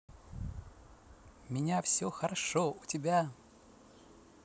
меня все хорошо у тебя